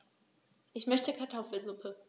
Ich möchte Kartoffelsuppe.